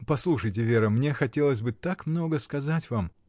Послушайте, Вера, мне хотелось бы так много сказать вам.